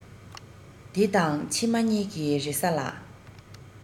འདི དང ཕྱི མ གཉིས ཀྱི རེ ས ལ